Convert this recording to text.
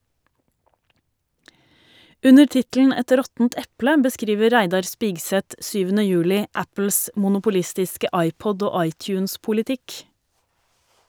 Under tittelen "Et råttent eple" beskriver Reidar Spigseth 7. juli Apples monopolistiske iPod- og iTunes-politikk.